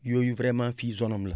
yooyu vraiment fii zone am la